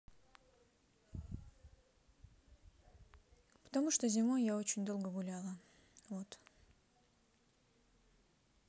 потому что зимой я очень долго гуляла вот